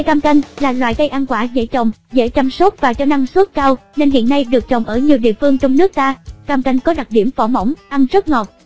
cây cam canh là loại cây ăn quả dễ trồng dễ chăm sóc và cho năng suất cao nên hiện nay được trồng ở nhiều địa phương trong nước ta cam canh có đặc điểm vỏ mỏng ăn rất ngọt và thanh